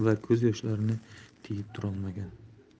va ko'zyoshlarini tiyib turolmagan